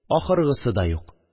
Ахыргысы да юк